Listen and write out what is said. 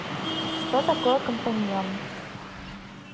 что такое компаньон